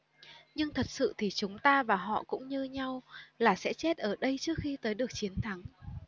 nhưng thật sự thì chúng ta và họ cũng như nhau là sẽ chết ở đây trước khi tới được chiến thắng